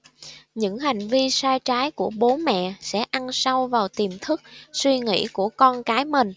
những hành vi sai trái của bố mẹ sẽ ăn sâu vào tiềm thức suy nghĩ của con cái mình